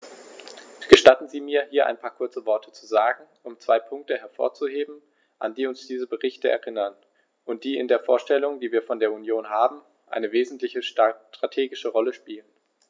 Gestatten Sie mir, hier ein paar kurze Worte zu sagen, um zwei Punkte hervorzuheben, an die uns diese Berichte erinnern und die in der Vorstellung, die wir von der Union haben, eine wesentliche strategische Rolle spielen.